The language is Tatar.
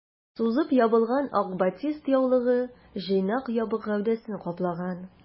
Сузып ябылган ак батист яулыгы җыйнак ябык гәүдәсен каплаган.